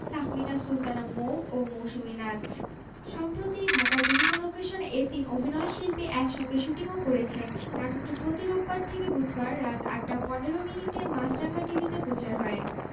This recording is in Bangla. দেবী বিজয়া বৃষ্টি তোমাকে দিলাম এক যে ছিল রাজা ও ক্রিস ক্রস